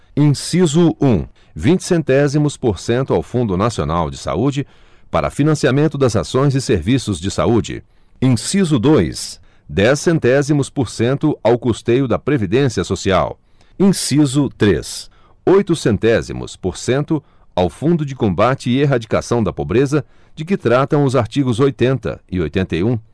inciso um vinte centésimos por cento ao fundo nacional de saúde para financiamento das ações e serviços de saúde inciso dois dez centésimos por cento ao custeio da previdência social inciso três oito centésimos por cento ao fundo de combate e erradicação da pobreza de que tratam os artigos oitenta e oitenta e um